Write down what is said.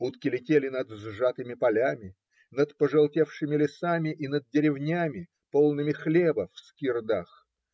Утки летели над сжатыми полями, над пожелтевшими лесами и над деревнями, полными хлеба в скирдах